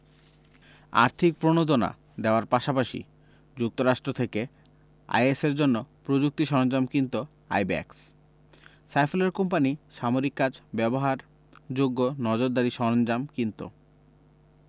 আর্থিক প্রণোদনা দেওয়ার পাশাপাশি যুক্তরাষ্ট থেকে আইএসের জন্য প্রযুক্তি সরঞ্জাম কিনত আইব্যাকস সাইফুলের কোম্পানি সামরিক কাজ ব্যবহারযোগ্য নজরদারি সরঞ্জাম কিনত